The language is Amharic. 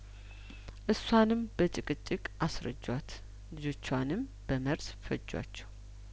እሷንም በጭቅጭቅ አስረጇት ልጆቿንም በመርዝ ፈጇቸው